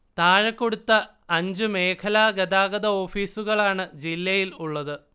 താഴെ കൊടുത്ത അഞ്ചു മേഖലാഗതാഗത ഓഫീസുകളാണ് ജില്ലയിൽ ഉള്ളത്